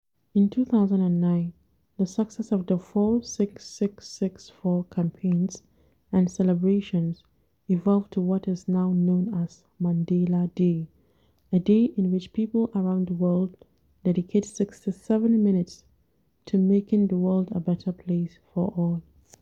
In 2009, the success of the 46664 campaigns and celebrations evolved to what is now known as “Mandela Day”, a day in which people around the world dedicate 67 minutes to making the world a better place for all.